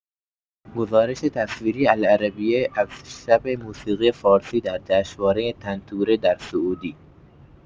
گزارش تصویری العربیه از شب موسیقی فارسی در جشنواره طنطوره در سعودی